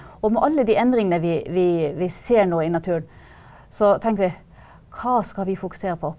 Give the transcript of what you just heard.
og med alle de endringene vi vi vi ser nå i naturen så tenker vi, hva skal vi fokusere på?